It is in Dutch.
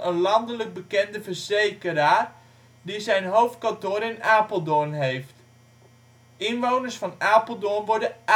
landelijk bekende verzekeraar, die zijn hoofdkantoor in Apeldoorn heeft. Inwoners van Apeldoorn worden